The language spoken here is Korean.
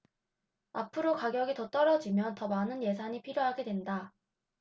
앞으로 가격이 더 떨어지면 더 많은 예산이 필요하게 된다